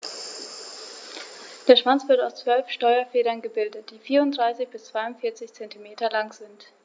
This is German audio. Der Schwanz wird aus 12 Steuerfedern gebildet, die 34 bis 42 cm lang sind.